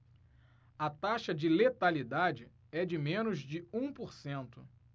a taxa de letalidade é de menos de um por cento